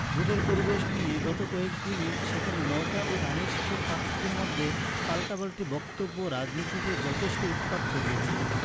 ভোটের পরিবেশ নিয়ে গত কয়েক দিনে সেখানে নৌকা ও ধানের শীষের প্রার্থীর মধ্যে পাল্টাপাল্টি বক্তব্য রাজনীতিতে যথেষ্ট উত্তাপ ছড়িয়েছে